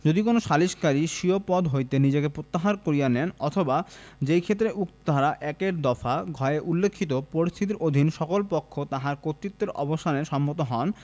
যদি কোন সালিসকারী স্বীয় পদ হইতে নিজেকে প্রত্যাহার করিয়া নেন অথবা যেইক্ষেত্রে উপ ধারা ১ এর দফা ঘ এ উল্লেখিত পরিস্থিতির অধীন সকল পক্ষ তাহার কর্তৃত্বের অবসানে সম্মত হয়